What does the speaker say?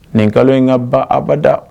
Nin nkalon in ka ban abada